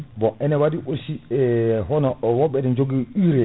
bon ina waɗi aussi hono wodɓe ene jogui urée